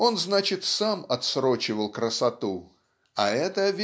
Он, значит, сам отсрочивал красоту, а это